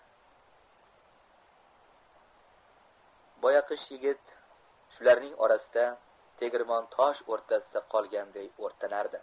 boyaqish yigit shularning orasida tegirmon tosh o'rtasida qolganday o'rtanardi